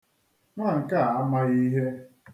Nwa nke a amaghị ihe.